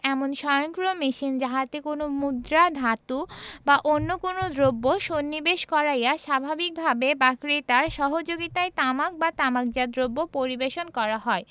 এমন স্বয়ংক্রিয় মেশিন যাহাতে কোন মুদ্রা ধাতু বা অন্য কোন দ্রব্য সন্নিবেশ করাইয়া স্বাভাবিকভাবে বা ক্রেতার সহযোগিতায় তামাক বা তামাকজাত দ্রব্য পরিবেশন করা হয়